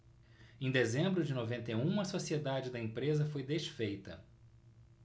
em dezembro de noventa e um a sociedade da empresa foi desfeita